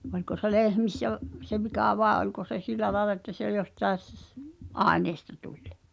oliko se lehmissä - se vika vai oliko se sillä lailla että se jostakin - aineesta tuli